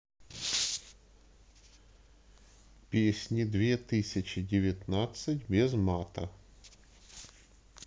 песни две тысячи девятнадцать без мата